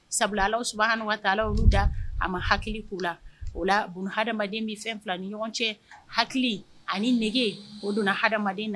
Sabula Alahu sabahana wataala ye olu da, a ma hakili k'u la, o la buna hadamaden bɛ fɛn fila ni ɲɔgɔn cɛ : hakili ani nege o donna hadamaden na